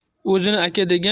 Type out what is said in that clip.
o'zini aka degan